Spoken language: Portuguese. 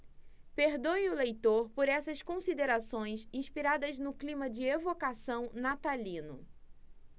perdoe o leitor por essas considerações inspiradas no clima de evocação natalino